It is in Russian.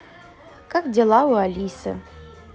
как дела у алисы